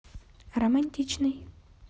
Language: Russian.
романтичный